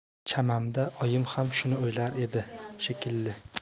chamamda oyim ham shuni o'ylardi shekilli